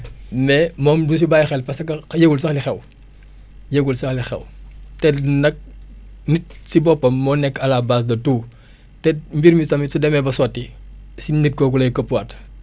mais moom du si bàyyi xel parce que yëgul sax li xaw yëgul sax li xaw te nag nit si boppam moo nekk à la base de tout te mbir mi tamit su demee ba sotti si nit kooku lay këppuwaat